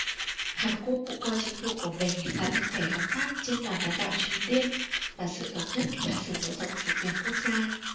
hàn quốc cũng coi chính phủ của mình là thực thể hợp pháp trên toàn bán đảo triều tiên và sự thống nhất là sự mở rộng chủ quyền quốc gia